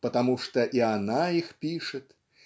потому что и она их пишет